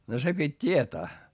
no se piti tietää